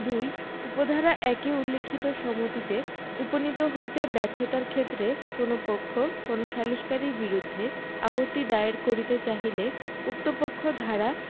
২ উপ ধারা ১ এ উল্লেখিত সম্মতিতে উপনীত হইতে ব্যর্থতার ক্ষেত্রে কোন পক্ষ কোন সালিসকারীর বিরুদ্ধে আপত্তি দায়ের করিতে চাহিলে উক্ত পক্ষ ধারা